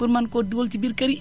pour mën koo dugal ci biir kër yi